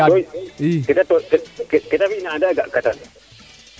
kete fina anda ga'ka taan